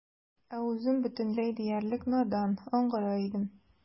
Ә үзем бөтенләй диярлек надан, аңгыра идем.